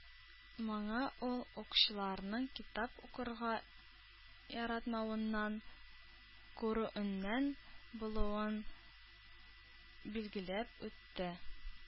Моны ул укучыларның китап укырга яратмавыннан күрүеннән булуын билгеләп үтте.